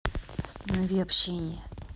останови общение